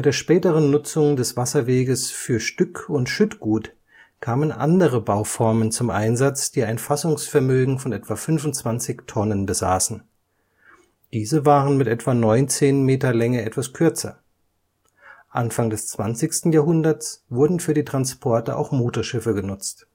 späteren Nutzung des Wasserweges für Stück - und Schüttgut kamen andere Bauformen zum Einsatz, die ein Fassungsvermögen von etwa 25 Tonnen besaßen. Diese waren mit etwa 19 Metern Länge etwas kürzer. Anfang des 20. Jahrhunderts wurden für die Transporte auch Motorschiffe genutzt